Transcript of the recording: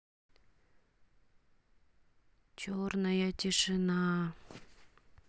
черная тишина